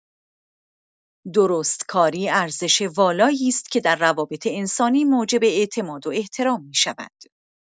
درستکاری ارزش والایی است که در روابط انسانی موجب اعتماد و احترام می‌شود.